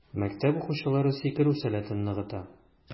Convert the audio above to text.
Мәктәп укучылары сикерү сәләтен ныгыта.